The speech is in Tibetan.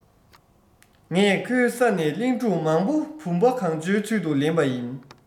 ངས ཁོའི ས ནས གླིང སྒྲུང མང པོ བུམ པ གང བྱོའི ཚུལ དུ ལེན པ ཡིན